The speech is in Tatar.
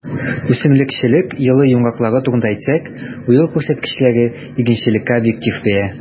Үсемлекчелек елы йомгаклары турында әйтсәк, бу ел күрсәткечләре - игенчелеккә объектив бәя.